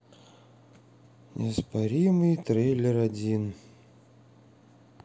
неоспоримый трейлер один